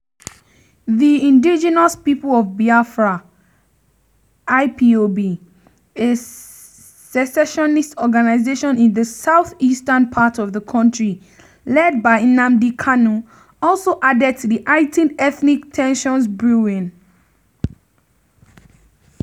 The Indigenous People of Biafra (IPOB), a secessionist organization in the southeastern part of the country led by Nnamdi Kanu, also added to the heightened ethnic tensions brewing.